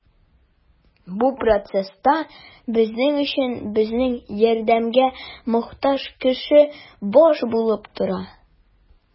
Бу процесста безнең өчен безнең ярдәмгә мохтаҗ кеше баш булып тора.